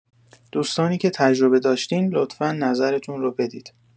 دوستانی که تجربه داشتین لطفا نظرتون رو بدید.